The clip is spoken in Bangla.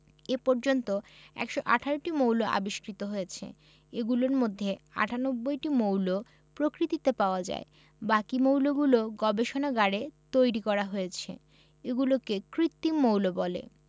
এ পর্যন্ত ১১৮টি মৌল আবিষ্কৃত হয়েছে এগুলোর মধ্যে ৯৮টি মৌল প্রকৃতিতে পাওয়া যায় বাকি মৌলগুলো গবেষণাগারে তৈরি করা হয়েছে এগুলোকে কৃত্রিম মৌল বলে